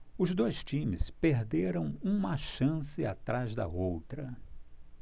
os dois times perderam uma chance atrás da outra